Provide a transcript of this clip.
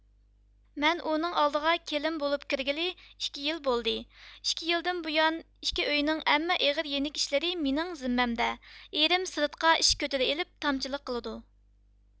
مەن ئۇنىڭ ئالدىغا كېلىن بولۇپ كىرگىلى ئىككى يىل بولدى ئىككى يىلدىن بۇيان ئىككى ئۆينىڭ ھەممە ئېغىر يېنىك ئىشلىرى مېنىڭ زېممىمدە ئېرىم سىرتقا ئىش كۆتۈرە ئېلىپ تامچىلىق قىلىدۇ